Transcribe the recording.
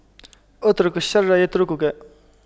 اترك الشر يتركك